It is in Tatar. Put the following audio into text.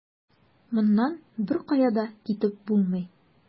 Моннан беркая да китеп булмый.